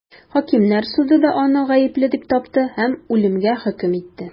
Хакимнәр суды да аны гаепле дип тапты һәм үлемгә хөкем итте.